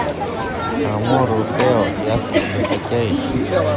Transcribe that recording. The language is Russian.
amor y hell ястребы хоккей